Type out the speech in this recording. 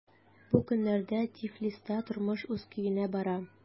Бу көннәрдә Тифлиста тормыш үз көенә бара.